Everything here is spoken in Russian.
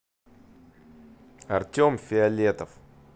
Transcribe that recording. артем фиолетов